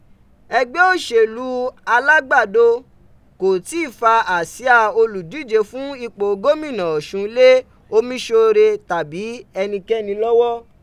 Ẹgbẹ oṣelu Alágbàdo ko tii fa asia oludije fun ipo gomina Ọṣun le Omiṣore, tabi ẹnikẹni lọwọ